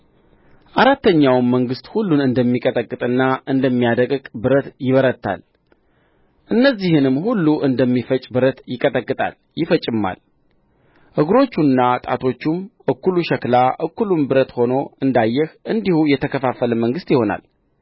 አራተኛውም መንግሥት ሁሉን እንደሚቀጠቅጥና እንደሚያደቅቅ ብረት ይበረታል እነዚህንም ሁሉ እንደሚፈጭ ብረት ይቀጠቅጣል ይፈጭማል እግሮቹና ጣቶቹም እኩሉ ሸክላ እኩሉም ብረት ሆኖ እንዳየህ እንዲሁ የተከፋፈለ መንግሥት ይሆናል